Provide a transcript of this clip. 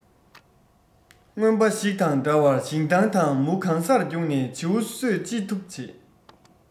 རྔོན པ ཞིག དང འདྲ བར ཞིང ཐང དང མུ གང སར བརྒྱུགས ནས བྱིའུ གསོད ཅི ཐུབ བྱེད